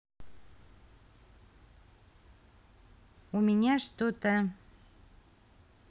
у меня что то